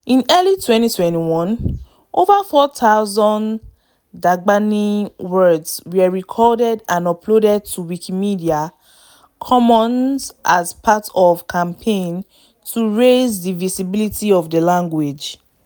In early 2021, over 4,000 Dagbani words were recorded and uploaded to Wikimedia Commons as part of a campaign to raise the visibility of the language.